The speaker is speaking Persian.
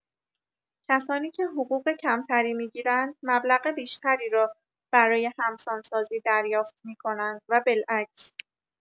کسانی که حقوق کم‌تری می‌گیرند، مبلغ بیشتری را برای همسان‌سازی دریافت می‌کنند و بالعکس.